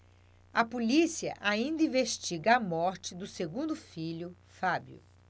a polícia ainda investiga a morte do segundo filho fábio